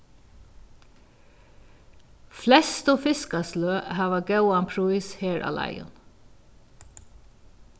flestu fiskasløg hava góðan prís her á leiðum